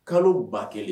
Kalo 1000